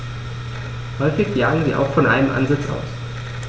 Häufig jagen sie auch von einem Ansitz aus.